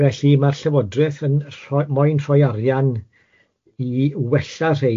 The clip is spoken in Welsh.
Felly ma'r llywodreth yn rhoi moyn rhoi arian i wella rhein yn ara bach.